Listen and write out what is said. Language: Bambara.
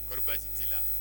Kɔrɔɔri baasiji t'i la